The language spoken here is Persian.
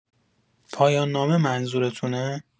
پایان‌نامه منظورتونه؟